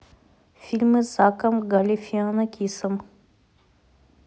фильмы с заком галифианакисом